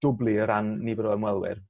dwbli o ran nifer o ymwelwyr